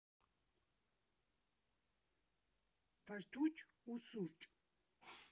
Բրդուճ ու սուրճ։